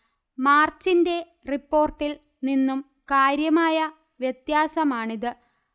മാർച്ചിന്റെ റിപ്പോർട്ടിൽ നിന്നും കാര്യമായ വ്യത്യാസമാണിത്